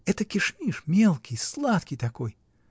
Это кишмиш, мелкий, сладкий такой.